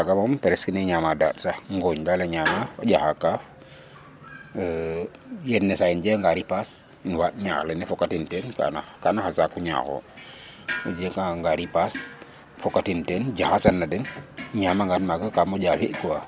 xaga moom presque ne ñama daɗ sax ŋooñ dal a ñama a ƴaxa kaaf yenisaay im yega nga ripaas i waaɗ ñaax lene foka tin teen kana xa saaku ñawo o geka nga ripaas foka tin teen jaxasan na den ñama ngan maga ka moƴa fi quoi